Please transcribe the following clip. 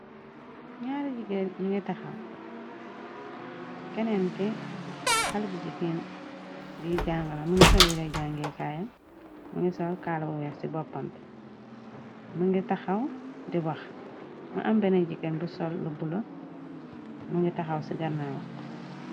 ñaari jigar ñu ngi taxaw keneen ke xal bi jigin bi jangala mi ngi solyira jangee kaayam mi ngi sol kaal bu wex ci boppambe më ngi taxaw di wax ma am bene jigeen bi sol lu bulo më ngi taxaw ci gannawa